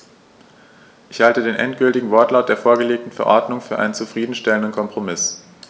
Ich halte den endgültigen Wortlaut der vorgelegten Verordnung für einen zufrieden stellenden Kompromiss.